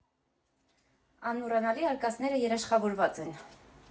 Անմոռանալի արկածները երաշխավորված են։